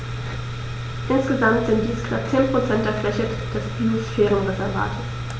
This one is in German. Insgesamt sind dies knapp 10 % der Fläche des Biosphärenreservates.